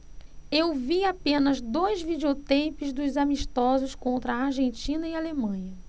eu vi apenas dois videoteipes dos amistosos contra argentina e alemanha